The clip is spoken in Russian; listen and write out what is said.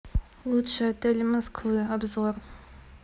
лучшие отели москвы обзор